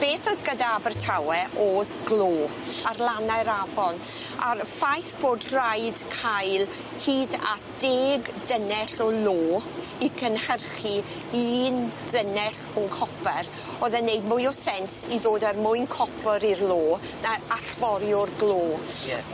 Beth o'dd gyda Abertawe o'dd glo ar lannau'r afon a'r ffaith bod rhaid cael hyd at deg dynnell o lo i cynhyrchu un dynnell o coper o'dd e'n neud mwy o sense i ddod a'r mwyn copor i'r lo na allforio'r glo. Ie.